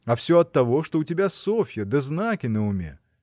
а все оттого, что у тебя Софья да знаки на уме.